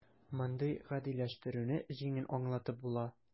Мондый "гадиләштерү"не җиңел аңлатып була: